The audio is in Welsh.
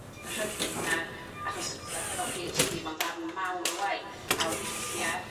rhyddid 'na achos e- efo Pee Heitch Dee ma' o'n ddarn mawr o waith a withia